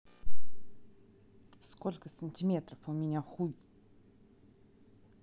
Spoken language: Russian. сколько сантиметров у меня хуй